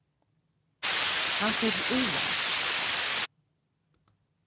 hann fer til írlands